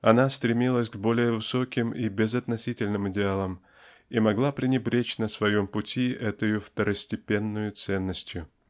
Она стремилась к более высоким и безотносительным идеалам и могла пренебречь на своем пути этою второстепенною ценностью.